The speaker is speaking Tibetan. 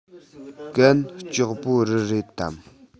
གན ལྕོགས པོ རི རེད དམ